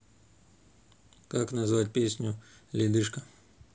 как назвать песню ледышка